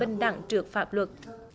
bình đẳng trước pháp luật